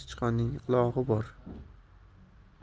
sichqonning qulog'i bor